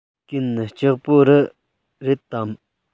གན ལྕགས པོ རི རེད དམ